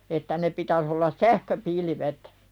että ne pitäisi olla sähköpilvet